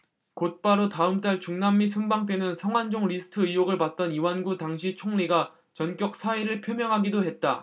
곧바로 다음달 중남미 순방 때는 성완종 리스트 의혹을 받던 이완구 당시 총리가 전격 사의를 표명하기도 했다